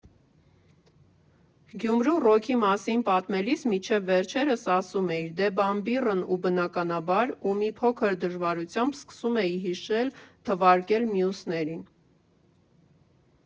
Գյումրու ռոքի մասին պատմելիս մինչև վերջերս ասում էիր՝ «դե Բամբիռն ա բնականաբար», ու մի փոքր դժվարությամբ սկսում էի հիշել֊թվարկել մյուսներին։